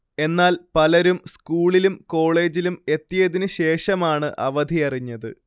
എന്നാൽ പലരും സ്കൂളിലും കോളേജിലും എത്തിയതിന് ശേഷമാണ് അവധിയറിഞ്ഞത്